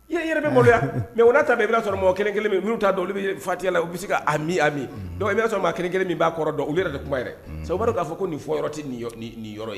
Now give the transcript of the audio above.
I yɛrɛ bɛ maloya mais o n'a ta bɛɛ i bɛna'a sɔrɔ mɔgɔ kelen minnu bɛ taa dɔn , olu bɛ faatiya bɛ se k'a fɔ aamin, aamin, donc i b'a sɔrɔ mɔgɔ maa kelen kelen min b'a kɔrɔ dɔn, olu yɛrɛ tɛ kuma sababu u b'a dɔn k'a fɔ ko nin tɛ nin fɔ yɔrɔ ye!